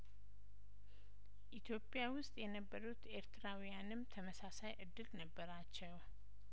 ኢትዮጵያ ውስጥ የነበሩት ኤርትራውያንም ተመሳሳይ እድል ነበራቸው